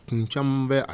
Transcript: Kun caman bɛ